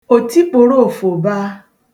òtikpòròòfòbaà